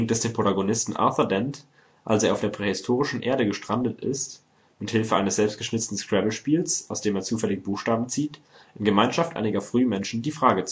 Protagonisten Arthur Dent, als er auf der prähistorischen Erde gestrandet ist, mit Hilfe eines selbstgeschnitzten Scrabblespiels, aus dem er zufällig Buchstaben zieht, in Gemeinschaft einiger Frühmenschen die Frage